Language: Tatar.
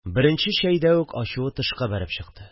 Беренче чәйдә үк ачуы тышка бәреп чыкты